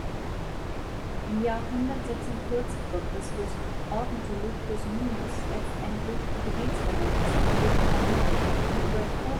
146 v. Chr. ordnete Lucius Mummius letztendlich die Gebietsverhältnisse in Griechenland neu und übertrug es den Milesiern zu richten